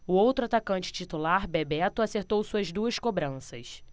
o outro atacante titular bebeto acertou suas duas cobranças